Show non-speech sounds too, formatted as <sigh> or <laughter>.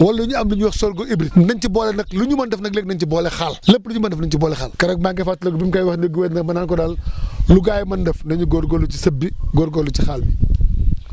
wala ñu am li ñuy wax sol gu hybride nañ ci boole nag lu ñu mën def nag léegi nañ ci boole xaal lépp lu ñu mën a def nañ ci boole xaal keroog maa ngi koy fàttaliku bim koy wax ne gouverneur ma naan ko daal <breath> lu gaa yi mën a def nañu góogóorlu ci sëb bi góorgóorlu ci xaal bi <noise>